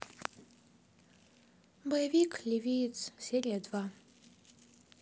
боевик ливиец серия два